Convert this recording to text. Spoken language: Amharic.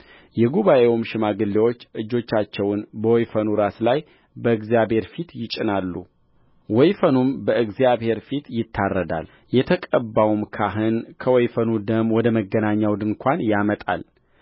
የጉባኤውም ሽማግሌዎች እጆቻቸውን በወይፈኑ ራስ ላይ በእግዚአብሔር ፊት ይጭናሉ ወይፈኑም በእግዚአብሔር ፊት ይታረዳልየተቀባውም ካህን ከወይፈኑ ደም ወደ መገናኛው ድንኳን ያመጣል